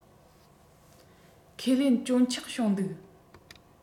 ཁས ལེན སྐྱོན ཆག བྱུང འདུག